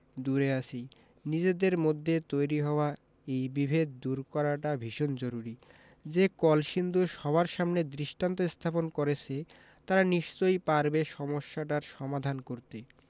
দূরে আছি নিজেদের মধ্যে তৈরি হওয়া এই বিভেদ দূর করাটা ভীষণ জরুরি যে কলসিন্দুর সবার সামনে দৃষ্টান্ত স্থাপন করেছে তারা নিশ্চয়ই পারবে সমস্যাটার সমাধান করতে